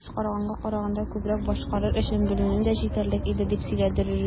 "башкарганга караганда күбрәк башкарыр өчен белемем җитәрлек иде", - дип сөйләде режиссер.